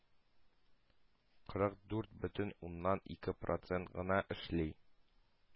Кырык дүрт бөтен уннан ике проценты гына эшли,